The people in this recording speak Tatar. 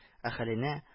Әһаленә